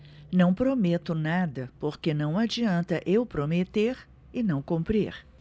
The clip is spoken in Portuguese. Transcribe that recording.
não prometo nada porque não adianta eu prometer e não cumprir